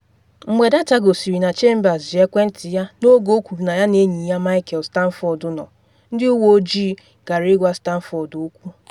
Mgbe data gosiri na Chambers ji ekwentị ya n’oge o kwuru na ya na enyi ya Michael Sanford nọ, ndị uwe ojii gara ịgwa Sanford okwu.